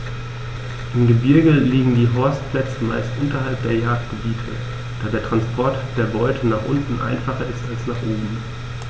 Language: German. Im Gebirge liegen die Horstplätze meist unterhalb der Jagdgebiete, da der Transport der Beute nach unten einfacher ist als nach oben.